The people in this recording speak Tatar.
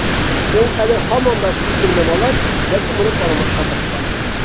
Ул әле һаман да сөйкемле малай, ләкин моны танымаска тырыша.